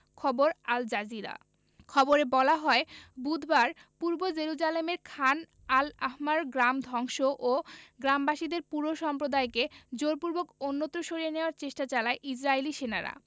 খবর Al Jazeera খবরে বলা হয় বুধবার পূর্ব জেরুজালেমের খান আল আহমার গ্রাম ধ্বংস ও গ্রামবাসীদের পুরো সম্প্রদায়কে জোরপূর্বক অন্যত্র সরিয়ে নেয়ার চেষ্টা চালায় ইসরাইলি সেনারা